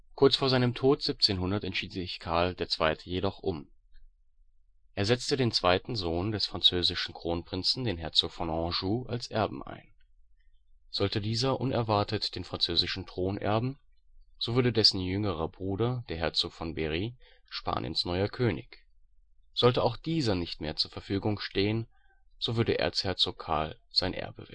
Kurz vor seinem Tod 1700 entschied sich Karl II. jedoch um. Er setzte den zweiten Sohn des französischen Kronprinzen, den Herzog von Anjou, als Erben ein. Sollte dieser unerwartet den französischen Thron erben, so würde dessen jüngerer Bruder, der Herzog von Berry, Spaniens neuer König. Sollte auch dieser nicht mehr zu Verfügung stehen, so würde Erzherzog Karl sein Erbe